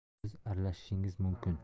ammo siz aralashishingiz mumkin